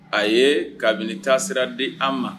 A ye kabini taa sira di an ma